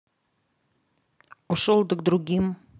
ушел да к другим